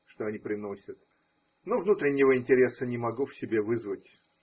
что они приносят, но внутреннего интереса не могу в себе вызвать.